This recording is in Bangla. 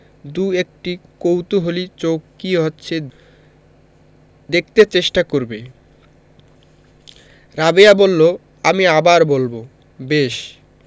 দুএকটি কৌতুহলী চোখ কি হচ্ছে দেখতে চেষ্টা করবে রাবেয়া বললো আমি আবার বলবো বেশ